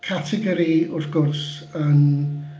Categori wrth gwrs yn...